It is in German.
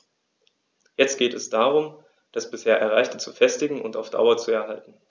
Jetzt geht es darum, das bisher Erreichte zu festigen und auf Dauer zu erhalten.